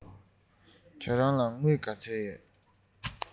ཁྱེད རང ལ དངུལ ག ཚོད ཡོད